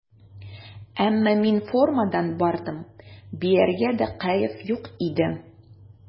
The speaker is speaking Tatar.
Әмма мин формадан бардым, биергә дә кәеф юк иде.